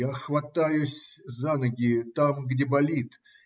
Я хватаюсь за ноги там, где болит.